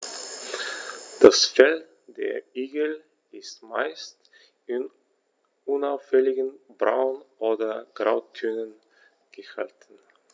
Das Fell der Igel ist meist in unauffälligen Braun- oder Grautönen gehalten.